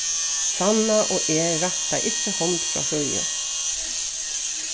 sanna og eg rætta ikki hond frá síðu